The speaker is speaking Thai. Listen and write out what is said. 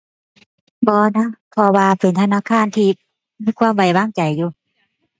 บ่นะ เพราะว่าเป็นธนาคารที่มีความไว้วางใจอยู่